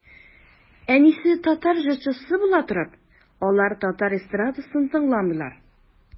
Әнисе татар җырчысы була торып, алар татар эстрадасын тыңламыйлар.